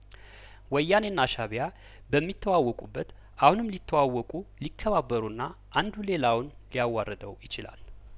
ወያኔና ሻእቢያ በሚተዋወቁበት አሁንም ሊተዋወቁ ሊከባ በሩና አንዱ ሌላውን ሊያዋርደው ይችላል